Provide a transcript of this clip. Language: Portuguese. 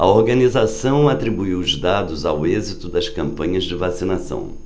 a organização atribuiu os dados ao êxito das campanhas de vacinação